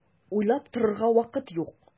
Уйлап торырга вакыт юк!